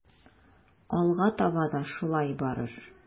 Алга таба да шулай барыр.